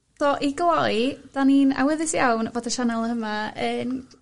So i gloi 'dan ni'n awyddus iawn fod y sianel yma yn